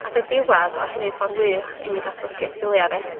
ag yn diwadd o hynny'n ffor wych i mi datblygu sgilia fi.